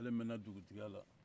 ale mɛna dugutiya la